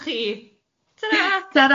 A chi.